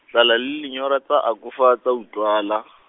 tlala le lenyora tsa akofa tsa utlwala.